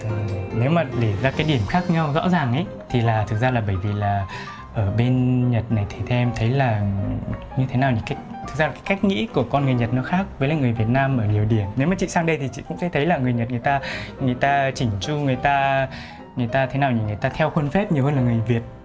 nếu mà để ra cái điểm khác nhau rõ ràng ý thì là thực ra là bởi vì là ở bên nhật này thì theo em thấy là như thế nào nhở thực ra là cái cách nghĩ của con người nhật nó khác với lại người việt nam ở nhiều điểm nếu mà chị sang đây thì chị cũng sẽ thấy là người nhật người ta người ta chỉnh chu người ta người ta thế nào nhỉ người ta theo khuôn phép nhiều hơn là người việt